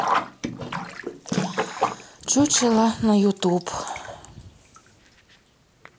чучело на ютуб